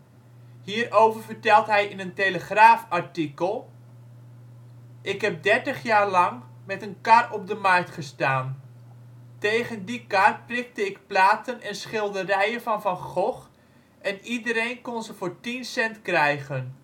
Hierover vertelt hij in een Telegraaf artikel: " Ik heb dertig jaar lang met een kar op de markt gestaan. Tegen die kar prikte ik platen en schilderijen van Van Gogh en iedereen kon ze voor tien cent krijgen